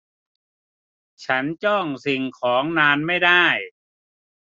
ฉันจ้องสิ่งของนานไม่ได้